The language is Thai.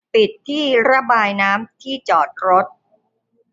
ปิดที่ระบายน้ำที่จอดรถ